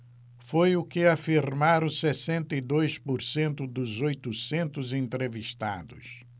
foi o que afirmaram sessenta e dois por cento dos oitocentos entrevistados